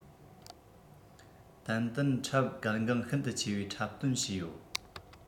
ཏན ཏན འཁྲབ གལ འགངས ཤིན ཏུ ཆེ བའི འཁྲབ སྟོན བྱས ཡོད